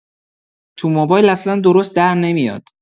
تو موبایل اصلا درست در نمیاد